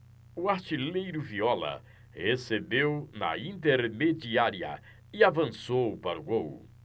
o artilheiro viola recebeu na intermediária e avançou para o gol